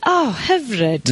O hyfryd!